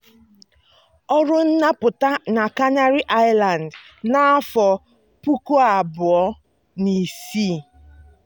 Ọrụ nnapụta na Canary Islands n'afọ 2006.